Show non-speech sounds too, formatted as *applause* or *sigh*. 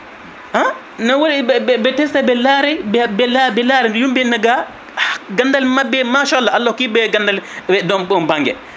*hesitation* *hesitation* ne woni ɓe ɓe testa ɓe laaray be laara ɓe yumbinne ga gandal mabɓe macha Allah Allah hokkiɓe gandal e ɗon on banggue